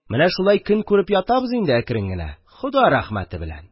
Менә шулай көн күреп ятабыз инде әкрен генә, Хода рәхмәте белән...